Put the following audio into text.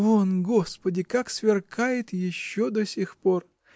Вон, Господи, как сверкает еще до сих пор!